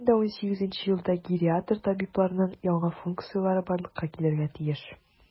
2018 елда гериатр табибларның яңа функцияләре барлыкка килергә тиеш.